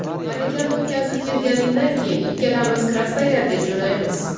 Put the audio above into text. ma'rakani o'tkazib kelganingdan keyin ikkalamiz krasnoyarga jo'naymiz